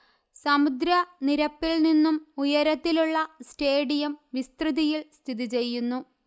സമുദ്ര നിരപ്പിൽ നിന്നും ഉയരത്തിലുള്ള സ്റ്റേഡിയം വിസ്തൃതിയിൽ സ്ഥിതിചെയ്യുന്നു